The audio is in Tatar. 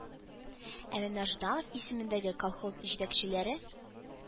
Ә менә Жданов исемендәге колхоз җитәкчеләре